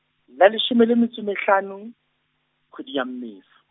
la leshome le metso e mehlano, kgwedi ya Mmesa.